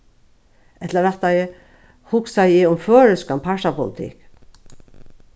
ella rættari hugsaði eg um føroyskan partapolitikk